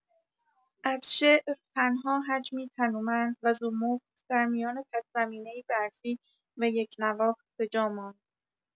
از شعر تنها حجمی تنومند و زمخت در میان پس زمینه‌ای برفی و یکنواخت به جا ماند.